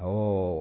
Awɔɔ !